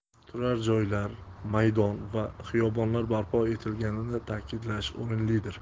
turar joylar maydon va xiyobonlar barpo etilganini ta'kidlash o'rinlidir